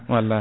wallay